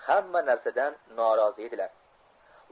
hamma narsadan norozi edilar